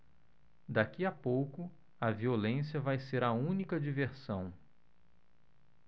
daqui a pouco a violência vai ser a única diversão